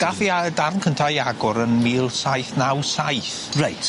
Gath i a- y darn cynta i agor yn mil saith naw saith. Reit.